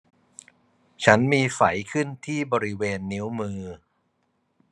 ฉันมีไฝขึ้นที่บริเวณนิ้วมือ